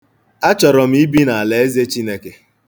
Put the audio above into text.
Achọrọ m ibi n'Alaeze Chineke.